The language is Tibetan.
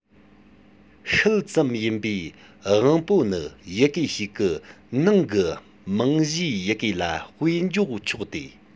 ཤུལ ཙམ ཡིན པའི དབང པོ ནི ཡི གེ ཞིག གི ནང གི མིང གཞིའི ཡི གེ ལ དཔེར འཇོག ཆོག སྟེ